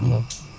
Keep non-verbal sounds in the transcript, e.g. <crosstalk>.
<hesitation>